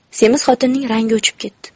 semiz xotinning rangi o'chib ketdi